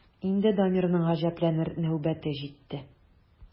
Инде Дамирның гаҗәпләнер нәүбәте җитте.